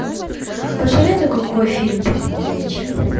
посоветуй какой фильм посмотреть